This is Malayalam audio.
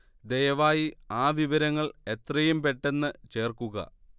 ദയവായി ആ വിവരങ്ങൾ എത്രയും പെട്ടെന്ന് ചേർക്കുക